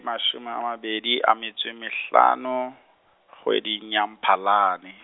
mashome a mabedi a metso e mehlano, kgweding ya Mphalane.